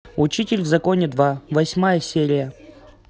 учитель в законе два восьмая серия